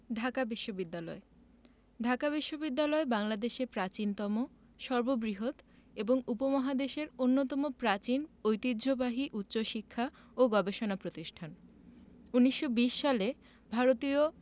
ঢাকা বিশ্ববিদ্যালয় ঢাকা বিশ্ববিদ্যালয় বাংলাদেশে প্রাচীনতম সর্ববৃহৎ এবং উপমহাদেশের অন্যতম প্রাচীন ঐতিহ্যবাহী উচ্চশিক্ষা ও গবেষণা প্রতিষ্ঠান ১৯২০ সালে ভারতীয়